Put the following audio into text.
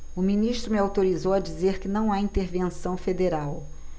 o ministro me autorizou a dizer que não há intervenção federal